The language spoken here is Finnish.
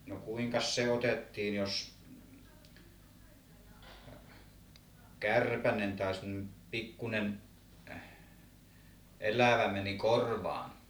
no kuinkas se otettiin jos kärpänen tai semmoinen pikkuinen elävä meni korvaan